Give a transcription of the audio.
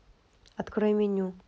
открой меню